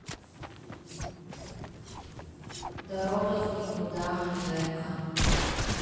дорога в никуда жека